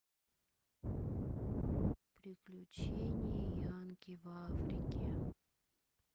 приключение янки в африке